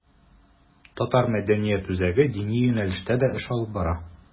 Татар мәдәният үзәге дини юнәлештә дә эш алып бара.